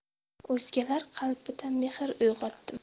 o'zgalar qalbida mehr uyg'otdim